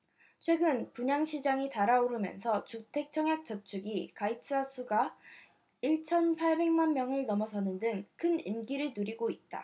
최근 분양시장이 달아오르면서 주택청약저축이 가입자수가 일 천 팔백 만명을 넘어서는 등 큰 인기를 누리고 있다